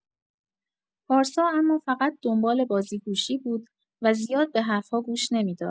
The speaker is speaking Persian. پارسا اما فقط دنبال بازیگوشی بود و زیاد به حرف‌ها گوش نمی‌داد.